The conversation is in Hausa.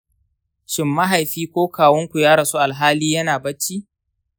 shin mahaifi ko kawun ku ya rasu alhali ya na bacci?